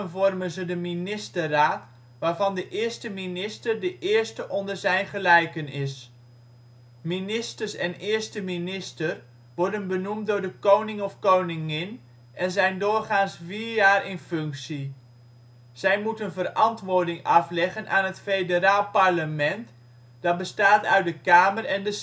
vormen ze de ministerraad waarvan de eerste minister de eerste onder zijn gelijken is. Ministers en eerste minister worden benoemd door de koning (in) en zijn doorgaans vier jaar in functie. Zij moeten verantwoording afleggen aan het Federaal Parlement, dat bestaat uit de Kamer en de